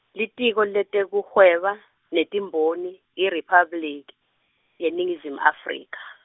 Litiko leTekuhweba netiMboni IRiphabliki yeNingizimu Afrika.